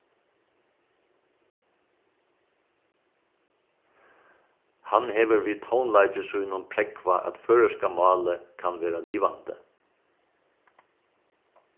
hann hevur við tónleiki sínum prógvað at føroyska málið kann vera livandi